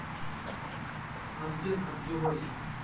азбек абдурозик